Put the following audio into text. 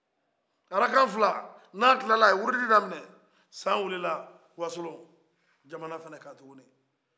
arakan fila ni a kila la ye urudi daminɛ san wili la wasolo jamana fɛnnɛ kan tukuni